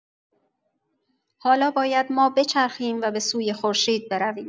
حالا باید ما بچرخیم و به‌سوی خورشید برویم.